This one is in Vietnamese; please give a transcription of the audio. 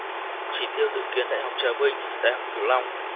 chỉ tiêu dự kiến đại học trà vinh đại học cửu long